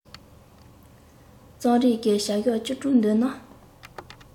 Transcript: རྩོམ རིག གི བྱ བཞག ཅིག བསྐྲུན འདོད ན